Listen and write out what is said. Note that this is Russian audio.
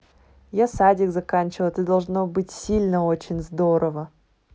я садик заканчивала это должно быть сильно очень здорово